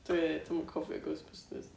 dwi dwi'm yn cofio Ghostbusters.